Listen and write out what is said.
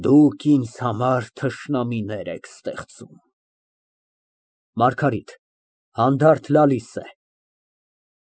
Դուք ինձ համար թշնամիներ եք ստեղծում… ՄԱՐԳԱՐԻՏ ֊ (Հանդարտ լալիս է)։